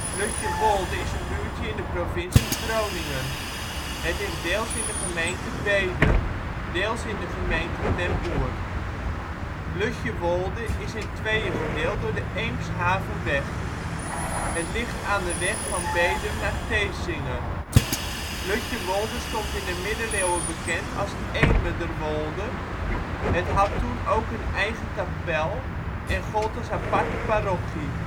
Lutjewolde is een buurtje in de provincie Groningen. Het ligt deels in de gemeente Bedum, deels in de gemeente Ten Boer. Lutjewolde wordt in tweeën gedeeld door de Eemshavenweg. Het ligt aan de weg van Bedum naar Thesinge. Lutjewolde stond in de middeleeuwen bekend als Emederwolde. Het had toen ook een eigen kapel en gold als aparte parochie